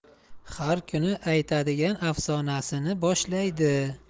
har kuni aytadigan afsonasini boshlaydi